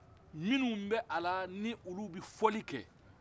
minnu be a la ni olu be foli kɛ